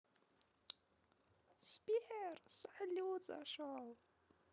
сбер салют зашел